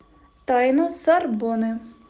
тайна сарбоны